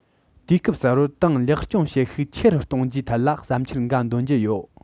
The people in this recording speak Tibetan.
དུས སྐབས གསར པར ཏང ལེགས སྐྱོང བྱེད ཤུགས ཆེ རུ གཏོང རྒྱུའི ཐད ལ བསམ འཆར འགའ འདོན རྒྱུ ཡིན